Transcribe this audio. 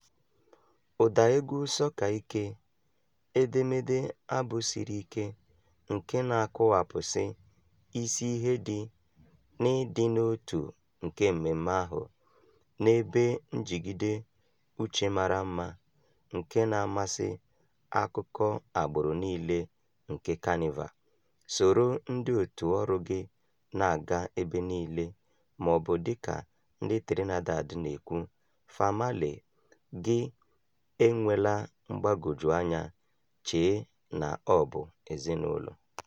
ụda egwu "sọka ike", edemede abụ siri ike nke na-akọwapụsị isi ihe dị n'ịdị n'otu nke mmemme ahụ, na ebe njigide uche mara mma nke na-amasị akụkụ agbụrụ niile nke Kanịva — soro ndị òtù ọrụ gị na-aga ebe niile, ma ọ bụ dịka ndị Trinbago na-ekwu, "famalay" gị (enwela mgbagwoju anya chee na ọ bụ "ezinụlọ"):